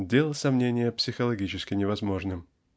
делал сомнение психологически невозможным.